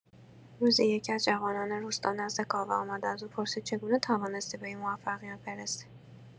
روزی یکی‌از جوانان روستا نزد کاوه آمد و از او پرسید: چگونه توانستی به این موفقیت برسی؟